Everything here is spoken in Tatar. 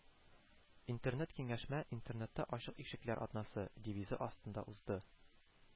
Интернет-киңәшмә “Интернетта ачык ишекләр атнасы” девизы астында узды